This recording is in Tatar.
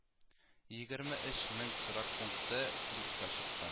Егерме өч мең торак пункты юкка чыккан